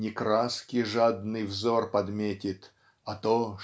не краски жадный взор подметит а то